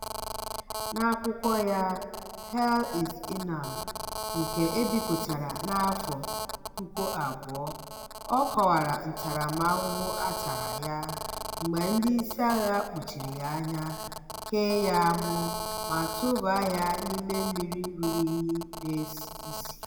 N'akwụkwọ ya "Hell in Inal", nke e bipụtara n'afọ 2000, ọ kọwara ntaramahụhụ a tara ya, mgbe ndị isi agha kpuchiri ya anya, kee ya agbụ, ma tụbaa ya n'ime mmiri ruru unyi, na-esi isi.